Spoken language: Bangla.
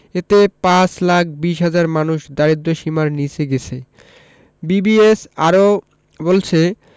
এতে ৫ লাখ ২০ হাজার মানুষ দারিদ্র্যসীমার নিচে গেছে বিবিএস আরও বলছে